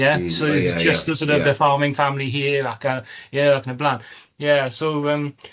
Ie just the sor' of the farming family here ac yy ie, ac yn y blaen. Ie so yym